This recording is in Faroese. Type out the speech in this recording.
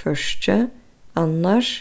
hvørki annars